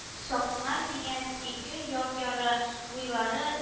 Сакмар, дигән, ике як яры буйлары